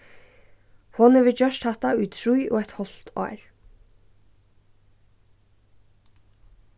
hon hevur gjørt hatta í trý og eitt hálvt ár